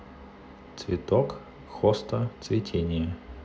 цветок хоста цветение